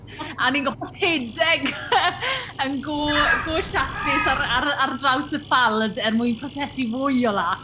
A ni'n gorfod rhedeg yn go go siapus ar ar ar draws y ffald er mwyn prosesu fwy o laeth.